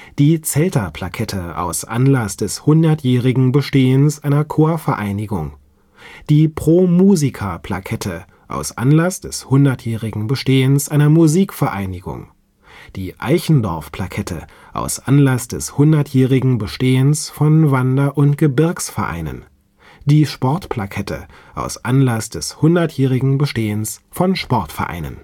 die Zelter-Plakette aus Anlass des 100-jährigen Bestehens einer Chorvereinigung, die Pro-Musica-Plakette aus Anlass des 100-jährigen Bestehens einer Musikvereinigung, die Eichendorff-Plakette aus Anlass des 100-jährigen Bestehens von Wander - und Gebirgsvereinen, die Sportplakette aus Anlass des 100-jährigen Bestehens von Sportvereinen